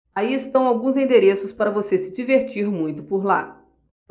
aí estão alguns endereços para você se divertir muito por lá